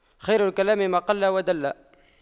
خير الكلام ما قل ودل